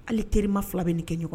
Ale terima fila bɛ nin kɛ ɲɔgɔn